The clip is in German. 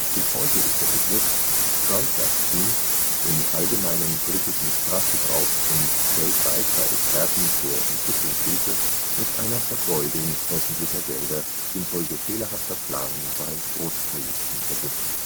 Bis heute ist der Begriff Groundnut Scheme im allgemeinen britischen Sprachgebrauch und weltweit bei Experten für Entwicklungshilfe mit einer Vergeudung öffentlicher Gelder infolge fehlerhafter Planung bei Großprojekten verbunden